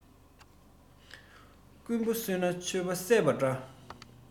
རྐུན པོ གསོས ན ཆོས པ བསད པ འདྲ